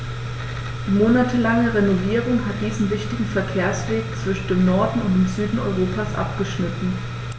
Die monatelange Renovierung hat diesen wichtigen Verkehrsweg zwischen dem Norden und dem Süden Europas abgeschnitten.